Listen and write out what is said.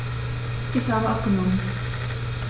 Ich habe abgenommen.